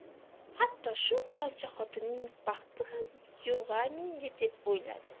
hatto shu g'alcha xotinning baxti ham yo'g'a menda deb o'yladi